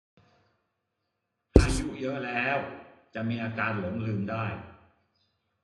อายุเยอะแล้วจะมีอาการหลงลืมได้